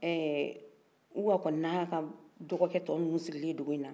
ehhh uwa kɔni n'a dɔgɔkɛ tɔw minun siginlen bɛ dugu in na